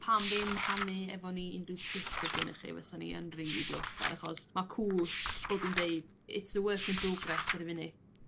pam ddim rhannu efo ni unrhyw tips sydd gennych chi fysan ni yn rili diolchgar achos ma' cwsg fel dwi'n deud it's a work in progress ar y funud.